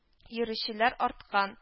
Йөрүчеләр арткан